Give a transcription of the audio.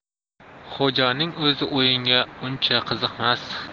xo'janing o'zi o'yinga uncha qiziqmas